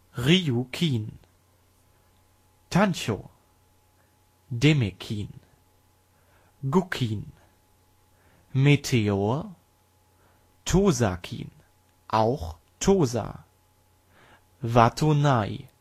Ryukin Tancho Demekin Guckyn Meteor Tosakin (Tosa) Watonai